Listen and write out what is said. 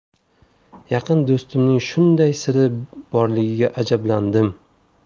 yaqin do'stimning shunday siri borligiga ajablandim